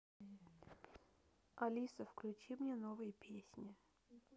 алиса включи мне новые песни